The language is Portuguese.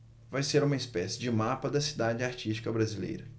vai ser uma espécie de mapa da cidade artística brasileira